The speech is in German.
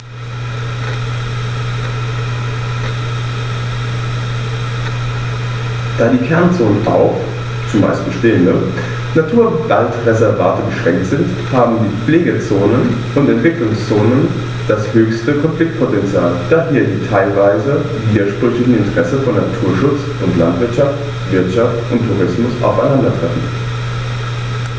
Da die Kernzonen auf – zumeist bestehende – Naturwaldreservate beschränkt sind, haben die Pflegezonen und Entwicklungszonen das höchste Konfliktpotential, da hier die teilweise widersprüchlichen Interessen von Naturschutz und Landwirtschaft, Wirtschaft und Tourismus aufeinandertreffen.